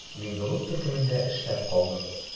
Мин рус төркемендә эшләп калдым.